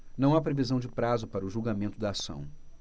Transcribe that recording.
não há previsão de prazo para o julgamento da ação